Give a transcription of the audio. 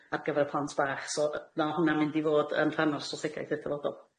ar gyfer plant bach. So yy ma' hwn'na'n mynd i fod yn rhan o'r strategaeth i'r dyfodol.